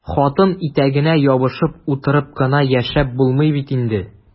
Хатын итәгенә ябышып утырып кына яшәп булмый бит инде!